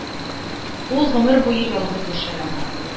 Ул гомере буе ялгыз яшәгән.